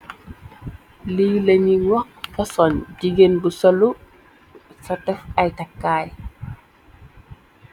Lii lañuy wax fasong, jigéen bu solu, fa def ay takkaay.